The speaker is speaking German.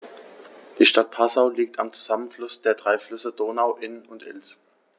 Die Stadt Passau liegt am Zusammenfluss der drei Flüsse Donau, Inn und Ilz.